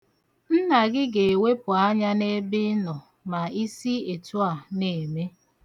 Nna gị ga-ewepu anya n'ebe ị nọ ma ị sị etu a na-eme.